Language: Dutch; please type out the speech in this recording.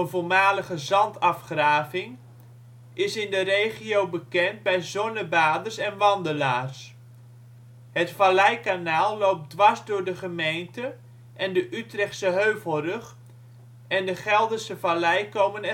voormalige zandafgraving) is in de regio bekend bij zonnebaders en wandelaars. Het Valleikanaal loopt dwars door de gemeente en de Utrechtse Heuvelrug en de Gelderse Vallei komen